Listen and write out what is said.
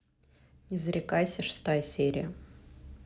не зарекайся шестая серия